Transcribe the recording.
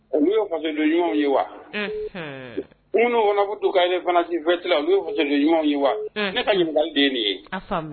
Olu ye fasoden ɲumanw ye wa ? Munun fana ku tu ka indépendance fête olu ye fasoden ɲumanw ye wa ? Ne ka ɲininkali de ye nin ye.